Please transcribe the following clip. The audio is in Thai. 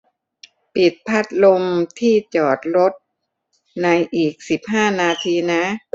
ปิดพัดลมที่จอดรถในอีกสิบห้านาทีนะ